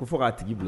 Ko fo ka tigi bila.